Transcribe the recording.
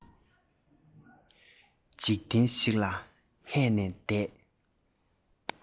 འཇིག རྟེན ཞིག ལ ཧད ནས བསྡད